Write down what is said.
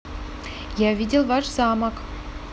я видел ваш замок